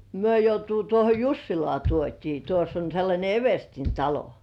me joutuu tuohon Jussilaan tuotiin tuossa on sellainen everstin talo